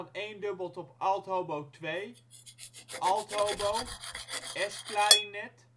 één dubbelt op althobo 2), althobo, esklarinet